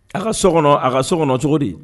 A ka so kɔnɔ a ka so kɔnɔ cogo di